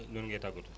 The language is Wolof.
loolu ngay tàggatoo